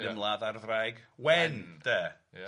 yn ymladd â'r ddraig wen 'de. Ia.